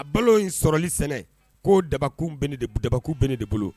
A balo in sɔrɔli sɛnɛ ko daba dabab ne de bolo